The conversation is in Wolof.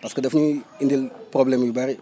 parce que daf ñuy indil problème yu bëri